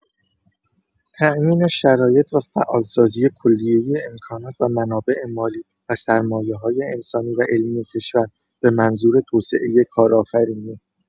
تامین شرایط و فعال‌سازی کلیه امکانات و منابع مالی و سرمایه‌‌های انسانی و علمی کشور به منظور توسعه کارآفرینی